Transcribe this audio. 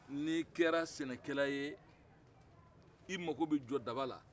ni kɛra sɛnɛkɛla ye i mako bɛ jɔ daba la